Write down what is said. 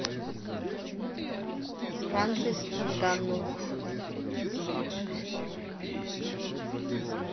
франсис нганну